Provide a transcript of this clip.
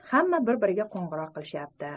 hamma bir biriga qo'ng'iroq qilayapti